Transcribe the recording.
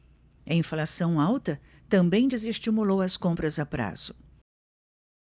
a inflação alta também desestimulou as compras a prazo